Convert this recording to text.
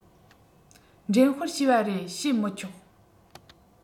འགྲེམས སྤེལ བྱས པ རེད བྱེད མི ཆོག